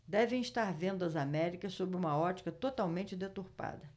devem estar vendo as américas sob uma ótica totalmente deturpada